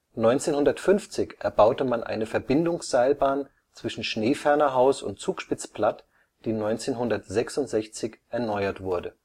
1950 erbaute man eine Verbindungsseilbahn zwischen Schneefernerhaus und Zugspitzplatt, die 1966 erneuert wurde